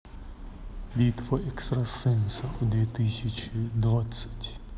битва экстрасенсов две тысячи двадцать